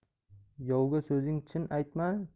yovga so'zing chin aytma